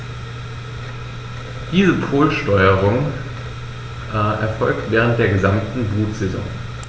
Diese Polsterung erfolgt während der gesamten Brutsaison.